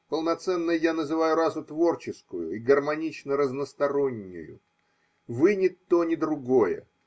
Полноценной я называю расу творческую и гармонично разностороннюю. Вы – ни то. ни другое.